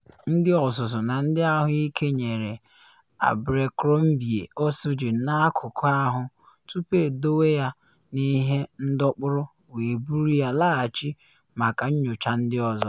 Ndị ọzụzụ na ndị ahụike nyere Abercrombie oxygen n’akụkụ ahụ tupu edowe ya n’ihe ndọkpụrụ wee buru ya laghachi maka nyocha ndị ọzọ.